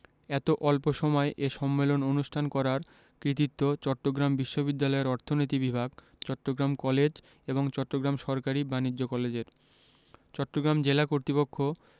এত অল্প সময়ে এ সম্মেলন অনুষ্ঠান করার কৃতিত্ব চট্টগ্রাম বিশ্ববিদ্যালয়ের অর্থনীতি বিভাগ চট্টগ্রাম কলেজ এবং চট্টগ্রাম সরকারি বাণিজ্য কলেজের চট্টগ্রাম জেলা কর্তৃপক্ষ